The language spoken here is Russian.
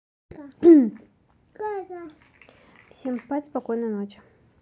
всем спать спокойной ночи